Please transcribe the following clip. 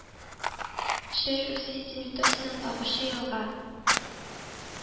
Ширь Русия территориясеннән агучы елга